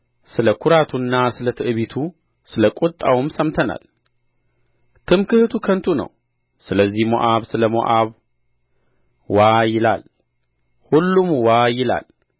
ስለ ኵራቱና ስለ ትዕቢቱ ስለ ቍጣውም ሰምተናል ትምሕክቱ ከንቱ ነው ስለዚህ ሞዓብ ስለ ሞዓብ ዋይ ይላል ሁሉም ዋይ ይላል